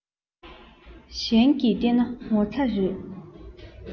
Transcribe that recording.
གཞན གྱིས བལྟས ན ངོ ཚ རེད